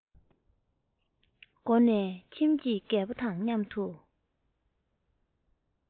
སྒོ ནས ཁྱིམ གྱི རྒད པོ དང མཉམ དུ